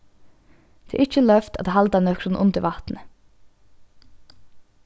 tað er ikki loyvt at halda nøkrum undir vatni